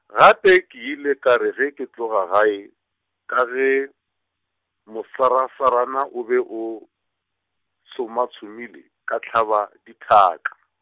gape ke ile ka re ge ke tloga gae, ka ge, mosarasarana o be o, tshomatshomile, ka hlaba dithaka.